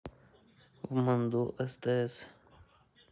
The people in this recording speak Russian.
в манду стс